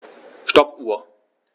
Stoppuhr.